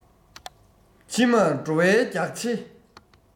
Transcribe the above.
ཕྱི མར འགྲོ བའི རྒྱགས ཕྱེ